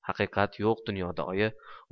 haqiqat yo'q dunyoda oyi